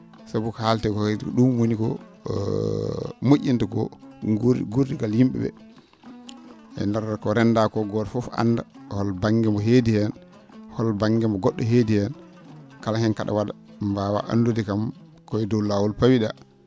sabu ko haaletee koo henne ko ?um woni ko mo??inta ko guur guurdigal yim?e ?ee e ndeer ko renndaa koo gooto fof annda hol ba?nge mo heedi heen hol ba?nge mo go??o heedi heen kala heen ko a?a wa?a mbaawaa anndude kam koye dow laawol pawi?aa